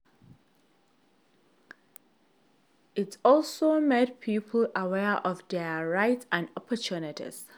It also makes people aware of their rights and opportunities.